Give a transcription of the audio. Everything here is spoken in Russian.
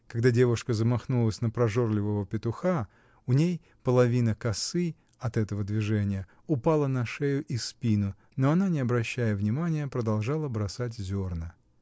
Когда девушка замахнулась на прожорливого петуха, у ней половина косы, от этого движения, упала на шею и спину, но она, не обращая внимания, продолжала бросать зерна.